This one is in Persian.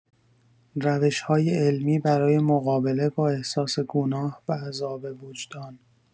روش‌های علمی برای مقابله با احساس گناه و عذاب وجدان